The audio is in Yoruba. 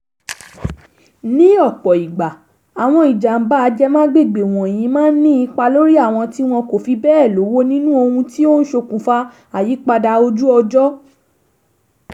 Ní ọ̀pọ̀ ìgbà, àwọn ìjàm̀bá ajẹmágbègbè wọ̀nyìí máa ń ní ipa lórí àwọn tí wọn kò fi bẹ́ẹ̀ lọ́wọ́ nínu ohun tí ó ń ṣokùnfà àyípadà ojú-ọjọ́.